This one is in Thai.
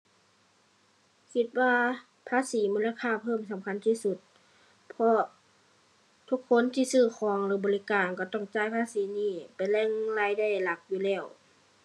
คิดว่าภาษีมูลค่าเพิ่มสำคัญที่สุด เพราะทุกคนที่ซื้อของหรือบริการก็ต้องจ่ายภาษีนี้เป็นแหล่งรายได้หลักอยู่แล้ว